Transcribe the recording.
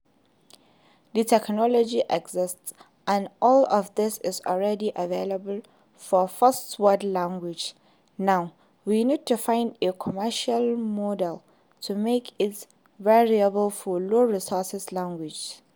The technology exists and all of this is already available for first world languages, now we need to find a commercial model to make it viable for low-resource languages.